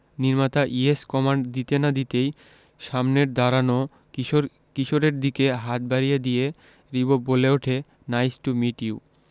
নির্মাতা yes command দিতে না দিতেই সামনের দাঁড়ানো কিশোরের দিকে হাত বাড়িয়ে দিয়ে রিবো বলে উঠে নাইস টু মিট ইউ